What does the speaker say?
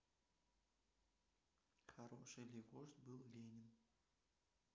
хороший ли вождь был ленин